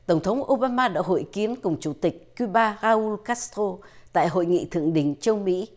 tổng thống ô bam ma đã hội kiến cùng chủ tịch cu ba ga un cát sô tại hội nghị thượng đỉnh châu mỹ